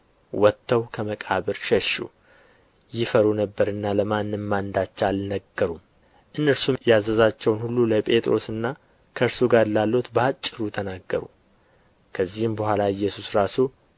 ወጥተው ከመቃብር ሸሹ ይፈሩ ነበርና ለማንም አንዳች አልነገሩም እነርሱም ያዘዛቸውን ሁሉ ለጴጥሮስና ከእርሱ ጋር ላሉት በአጭሩ ተናገሩ ከዚህም በኋላ ኢየሱስ ራሱ